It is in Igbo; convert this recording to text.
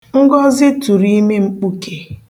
Ngọzị tụrụ ime mkpuke